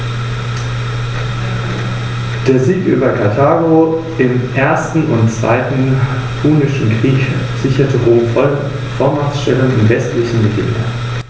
In der römisch-katholischen Kirche ist Latein bis heute offizielle Amtssprache.